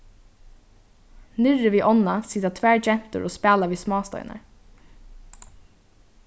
niðri við ánna sita tvær gentur og spæla við smásteinar